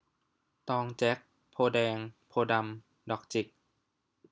ตองแจ็คโพธิ์แดงโพธิ์ดำดอกจิก